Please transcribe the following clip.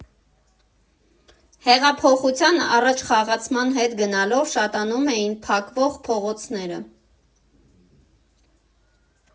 Հեղափոխության առաջխաղացման հետ գնալով շատանում էին փակվող փողոցները։